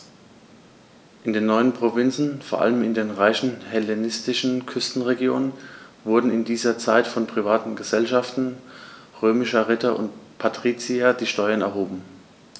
In den neuen Provinzen, vor allem in den reichen hellenistischen Küstenregionen, wurden in dieser Zeit von privaten „Gesellschaften“ römischer Ritter und Patrizier die Steuern erhoben.